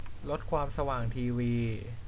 ลดความสว่างทีวี